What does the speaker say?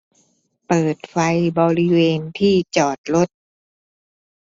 เปิดไฟบริเวณที่จอดรถ